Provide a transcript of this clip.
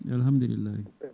alahamdulillalhi